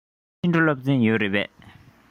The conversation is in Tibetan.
ཕྱི དྲོ སློབ ཚན ཡོད རེད པས